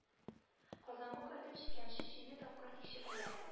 Казанга кайтып җиткәнче җиде тапкыр тикшерделәр